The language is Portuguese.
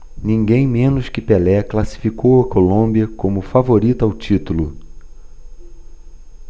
ninguém menos que pelé classificou a colômbia como favorita ao título